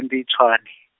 ndi Tswane.